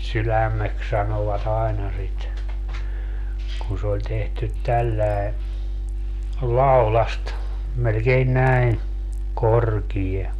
sydämeksi sanoivat aina sitä kun se oli tehty tällä lailla laudasta melkein näin korkea